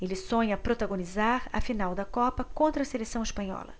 ele sonha protagonizar a final da copa contra a seleção espanhola